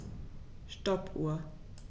Stoppuhr.